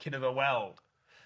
Cyn iddo weld.